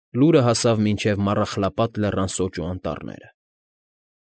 Լուրը հասավ մինչև Մառախլապատ լեռան սոճու անտառները։